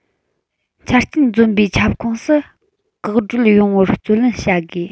ཆ རྐྱེན འཛོམས པའི ཁྱབ ཁོངས སུ འགག སྒྲོལ ཡོང བར བརྩོན ལེན བྱ དགོས